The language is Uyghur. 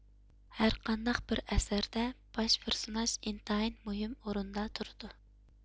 ھەرقانداق بىر ئەسەردە باش پېرسوناژ ئىنتايىن مۇھىم ئورۇندا تۇرىدۇ